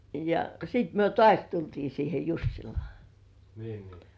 ja sitten me taas tultiin siihen Jussilaan niin